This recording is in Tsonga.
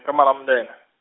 ka Malamulele.